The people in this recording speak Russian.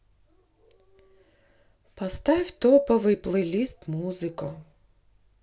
поставь топовый плейлист музыка